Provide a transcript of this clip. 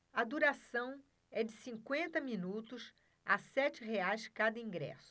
a duração é de cinquenta minutos a sete reais cada ingresso